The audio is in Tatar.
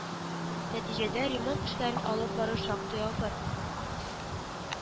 Нәтиҗәдә, ремонт эшләрен алып бару шактый авыр